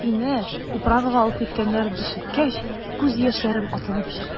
Сине «управа»га алып киткәннәрен ишеткәч, күз яшьләрем атылып чыкты.